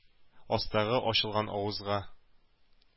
Астагы ачылган авызга